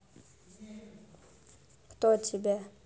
кто тебя